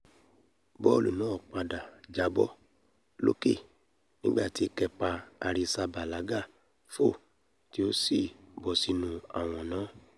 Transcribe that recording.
Bọ́ọ̀lù náà padà jábọ́ lókè nígbà tí Kepa Arrizalaga fò tí ó sì bọ́ sínu àwọ̀n náà.